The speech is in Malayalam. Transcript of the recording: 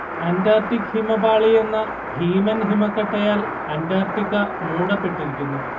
അന്റാർട്ടിക് ഹിമപാളി എന്ന ഭീമൻ ഹിമക്കട്ടയാൽ അന്റാർട്ടിക്ക മൂടപ്പെട്ടിരിക്കുന്നു